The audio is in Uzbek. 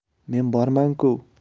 men borman ku